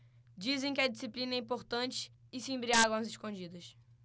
dizem que a disciplina é importante e se embriagam às escondidas